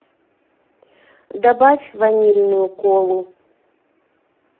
добавь ванильную колу